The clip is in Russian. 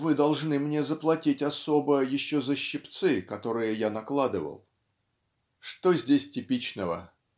"Вы должны мне заплатить особо еще за щипцы, которые я накладывал", что здесь типичного